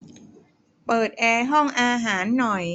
เปิดแอร์ห้องอาหารหน่อย